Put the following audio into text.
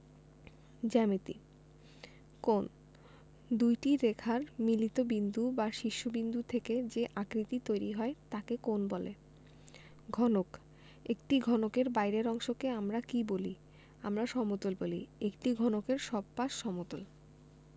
জ্যামিতিঃ কোণঃ দুইটি রেখার মিলিত বিন্দু বা শীর্ষ বিন্দু থেকে যে আকৃতি তৈরি হয় তাকে কোণ বলে ঘনকঃ একটি ঘনকের বাইরের অংশকে আমরা কী বলি আমরা সমতল বলি একটি ঘনকের সব পাশ সমতল